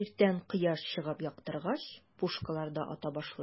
Иртән кояш чыгып яктыргач, пушкалар ата башлыйлар.